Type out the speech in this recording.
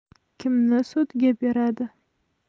kimni so'tga beradi